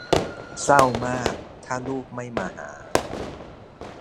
เศร้ามากถ้าลูกไม่มาหา